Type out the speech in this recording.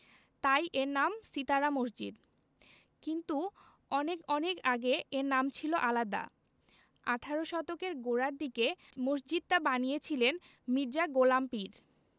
তাই এর নাম সিতারা মসজিদ কিন্তু অনেক অনেক আগে এর নাম ছিল আলাদা আঠারো শতকের গোড়ার দিকে মসজিদটা বানিয়েছিলেন মির্জা গোলাম পীর